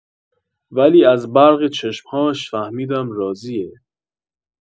ولی از برق چشم‌هاش فهمیدم راضیه.